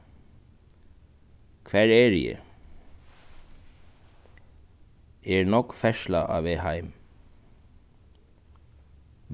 hvar eri eg er nógv ferðsla á veg heim